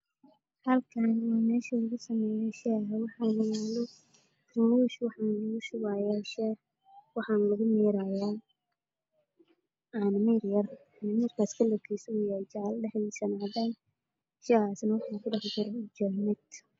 Waxaan meeshan ugu jiraa carbiik yar caddaan ah iyo shaandamiir dhexdiisu tahay haddaan oo shah lagu shubayo tirmuus